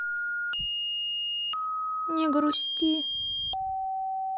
не грусти